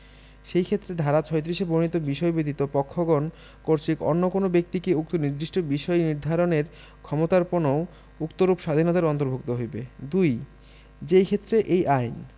সেইক্ষেত্রে ধারা ৩৬ এ বর্ণিত বিষয় ব্যতীত পক্ষগণ কর্তৃক অন্য কোন ব্যক্তিকে উক্ত নির্দিষ্ট বিষয় নিধারণের ক্ষমতার্পণও উক্তরূপ স্বাধীনতার অন্তর্ভুক্ত হইবে ২ যেইক্ষেত্রে এই আইন